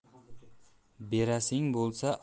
berasing bo'lsa ahmoqqa